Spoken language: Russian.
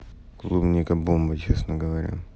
клубника бомба честно говоря